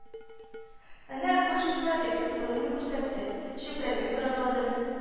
– әнә куй шунда, – дип, урынны күрсәтте, чүпрәген сорап алды